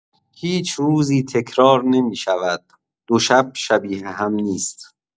هیچ روزی تکرار نمی‌شود، دو شب شبیه هم نیست!